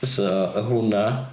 So oedd hwnna.